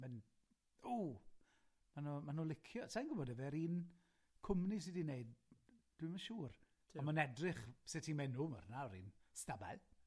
Ma'n, ww, ma' nw, ma' nw licio, sai'n gwbod, yfe'r un cwmni sy' 'di neud, dwi'm yn siŵr, on' ma'n edrych sut i mynd o 'ma na fi'n